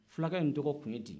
fulakɛ in tɔgɔ tun ye di